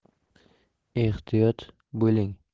ehtiyot bo'ling